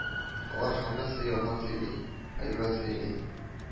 — алар һәммәсе ялган сөйли, гайбәт сөйли